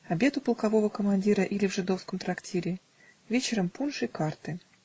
обед у полкового командира или в жидовском трактире вечером пунш и карты.